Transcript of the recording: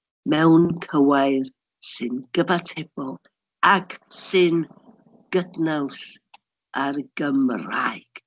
Mewn cywair sy'n gyfatebol ac sy'n gydnaws â'r Gymraeg.